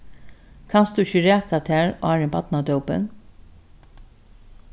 kanst tú ikki raka tær áðrenn barnadópin